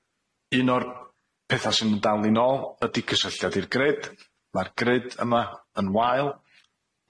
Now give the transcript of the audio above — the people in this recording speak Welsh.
Un o'r petha' sy'n dal ni'n nôl ydi cysylltiad i'r grid ma'r grid yma yn wael,